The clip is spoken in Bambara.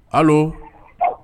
Alo